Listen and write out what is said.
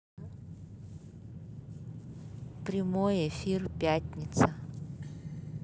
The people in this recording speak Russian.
прямой эфир пятница